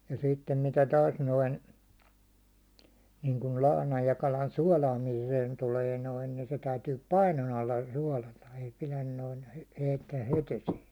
ja sitten mitä taas noin niin kuin lahnan ja kalan suolaamiseen tulee noin niin se täytyy painon alla suolata ei pidä noin heittää heti esiin